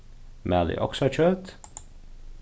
malið oksakjøt